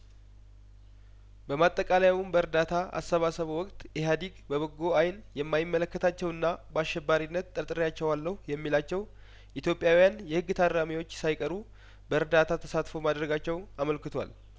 በማጠቃለያውም በእርዳታ አሰባሰቡ ወቅት ኢህአዲግ በበጐ አይን የማይመለከታቸውና በአሸባሪነት ጠርጥሬያቸዋለሁ የሚላቸው ኢትዮጵያውያን የህግ ታራሚዎች ሳይቀሩ በእርዳታ ተሳትፎ ማድረጋቸውን አመልክቷል